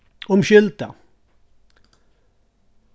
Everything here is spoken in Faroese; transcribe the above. umskylda